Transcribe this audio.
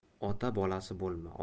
ota bolasi bo'lma